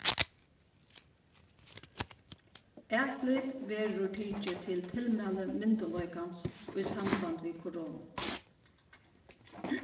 atlit verður tikið til tilmæli myndugleikans í samband við koronu